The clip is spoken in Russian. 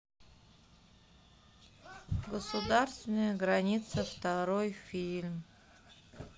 государственная граница второй фильм